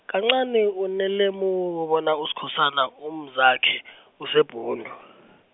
kancani unelemuko bona Uskhosana umzakhe , useBhundu .